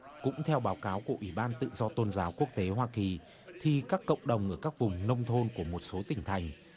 cũng theo báo cáo của ủy ban tự do tôn giáo quốc tế hoa kỳ thì các cộng đồng ở các vùng nông thôn của một số tỉnh thành